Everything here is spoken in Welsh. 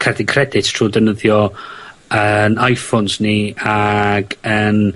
cardyn credit trw ddefnyddio 'yn Iphones ni, ac yn